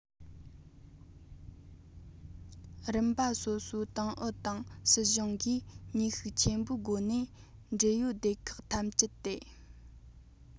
རིམ པ སོ སོའི ཏང ཨུ དང སྲིད གཞུང གིས ནུས ཤུགས ཆེན པོའི སྒོ ནས འབྲེལ ཡོད སྡེ ཁག ཐམས ཅད དེ